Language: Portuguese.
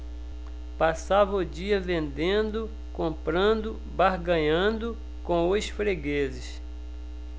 passava o dia vendendo comprando barganhando com os fregueses